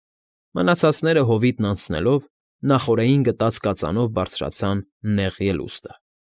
Մնացածները, հովիտն անցնելով, նախօրեին գտած կածանով բարձրացան նեղ ելուստը։